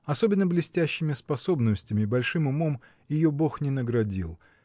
особенно блестящими способностями, большим умом ее бог не наградил